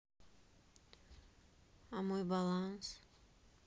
а мой баланс